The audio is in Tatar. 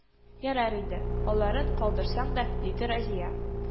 Ярар инде, аларын калдырсаң да, диде Разия